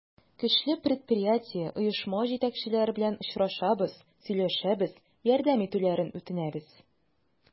Көчле предприятие, оешма җитәкчеләре белән очрашабыз, сөйләшәбез, ярдәм итүләрен үтенәбез.